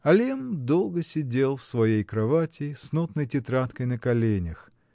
А Лемм долго сидел на своей кровати с нотной тетрадкой на коленях.